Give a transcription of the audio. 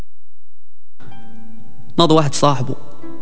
واحد صاحبه